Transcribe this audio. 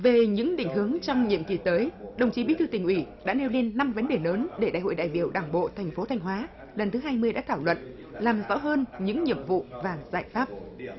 về những định hướng trong nhiệm kỳ tới đồng chí bí thư tỉnh ủy đã nêu lên năm vấn đề lớn để đại hội đại biểu đảng bộ thành phố thanh hóa lần thứ hai mươi đã thảo luận làm rõ hơn những nhiệm vụ và giải pháp